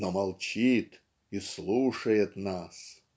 но молчит и слушает нас".